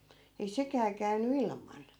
ei sekään käynyt ilman